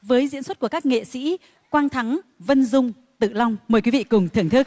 với diễn xuất của các nghệ sĩ quang thắng vân dung tự long mời quý vị cùng thưởng thức